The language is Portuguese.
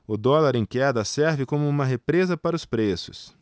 o dólar em queda serve como uma represa para os preços